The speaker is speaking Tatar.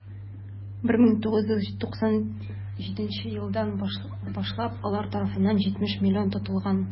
1997 елдан башлап алар тарафыннан 70 млн тотылган.